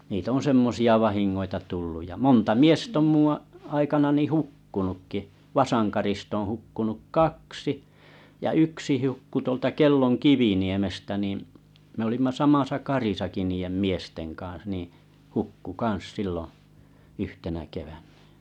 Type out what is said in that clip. niitä on semmoisia vahinkoja tullut ja monta miestä on minun - aikanani hukkunutkin Vasankarista on hukkunut kaksi ja yksi hukkui tuolta Kellon Kiviniemestä niin me olimme samassa karissakin niiden miesten kanssa niin hukkui kanssa silloin yhtenä keväänä